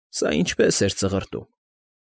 Սա ինչպե՜ս էր ծղրտում։